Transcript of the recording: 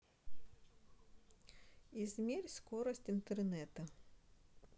измерь скорость интернета